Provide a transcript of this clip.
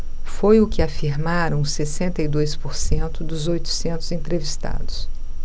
foi o que afirmaram sessenta e dois por cento dos oitocentos entrevistados